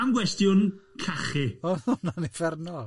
Am gwestiwn cachu. O, mae'n uffernol.